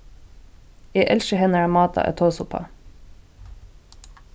eg elski hennara máta at tosa uppá